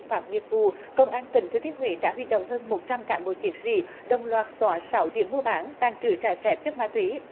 pháp nghiệp vụ công an tỉnh thừa thiên huế đã huy động hơn một trăm cán bộ chiến sĩ đồng loạt xóa sáu điểm mua bán tàng trữ trái phép chất ma túy